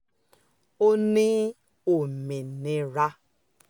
Ó ní òmìnira.